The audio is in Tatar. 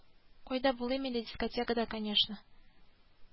Кинәт көчле итеп гудок кычкырды.